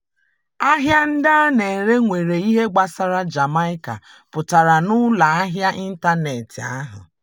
Ahịa ndị a na-ere nwere ihe gbasara Jamaica pụtara n'ụlọahịa ịntaneetị ahụ